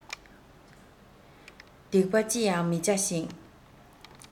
སྡིག པ ཅི ཡང མི བྱ ཞིང